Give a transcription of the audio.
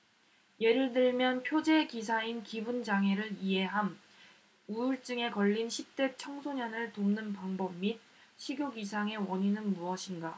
예를 들면 표제 기사인 기분 장애를 이해함 우울증에 걸린 십대 청소년을 돕는 방법 및 식욕 이상의 원인은 무엇인가